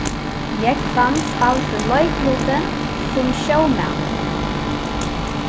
jógvan spældi leiklutin sum sjómaður